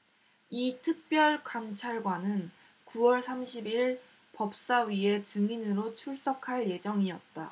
이 특별감찰관은 구 월 삼십 일 법사위에 증인으로 출석할 예정이었다